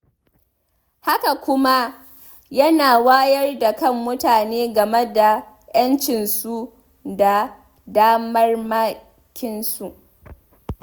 Haka kuma, yana wayar da kan mutane game da 'yancinsu da damarmakinsu.